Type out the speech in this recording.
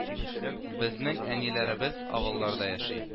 Безнең әниләребез авылларда яши